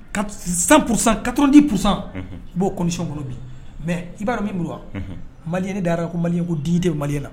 San psan kato di psa i b'o kɔsikolon bi mɛ i b'a min wa mali ne dara ko mali ko di tɛ mali la